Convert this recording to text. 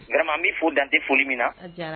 G bɛ fou dantɛ foli min na